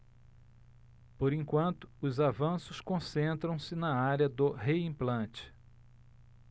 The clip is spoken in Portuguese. por enquanto os avanços concentram-se na área do reimplante